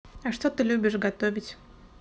а что ты любишь готовить